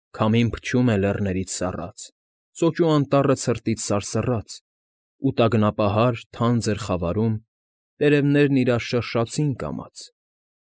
Քամին փչում է լեռներից սառած, Սոճու անտառը ցրտից սարսռաց, Ու տագնապահար, թանձր խավարում Տերևներն իրար շրշացին կամաց։